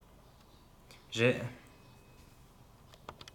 རེད